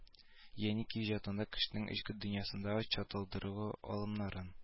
Еники иҗатында кешенең эчке дөньясын чагылдыру алымнарын